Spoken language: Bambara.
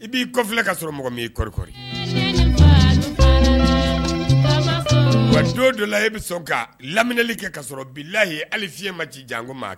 I b'i kɔfi ka sɔrɔ mɔgɔ min kɔrɔɔriɔri wa dɔ la e bɛ sɔn ka laminili kɛ ka sɔrɔ bilalahi ali fiɲɛi ma ci jan ko ma